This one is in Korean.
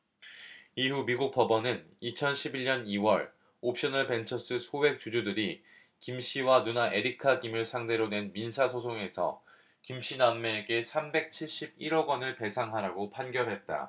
이후 미국 법원은 이천 십 일 년 이 월 옵셔널벤처스 소액주주들이 김씨와 누나 에리카 김을 상대로 낸 민사소송에서 김씨 남매에게 삼백 칠십 일 억원을 배상하라고 판결했다